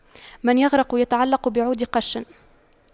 من يغرق يتعلق بعود قش